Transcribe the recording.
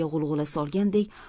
g'ulg'ula solgandek